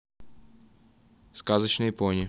сказочные пони